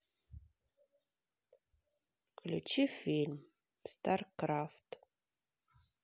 включи фильм старкрафт